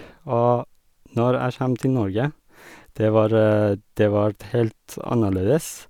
Og når jeg kjem til Norge, det var det vart helt annerledes.